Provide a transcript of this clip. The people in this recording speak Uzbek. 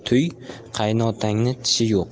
tuy qaynotangning tishi yo'q